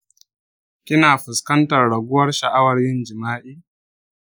kina fuskantar raguwar sha’awar yin jima’i?